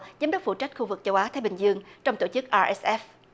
giám đốc phụ trách khu vực châu á thái bình dương trong tổ chức a ép ét